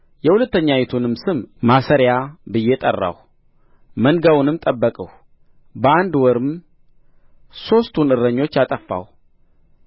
የሁለተኛይቱንም ስም ማሰሪያ ብዬ ጠራሁ መንጋውንም ጠበቅሁ በአንድ ወርም ሦስቱን እረኞች አጠፋሁ